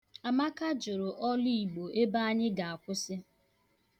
Amaka jụrụ Oluigbo ebe anyị ga-akwusị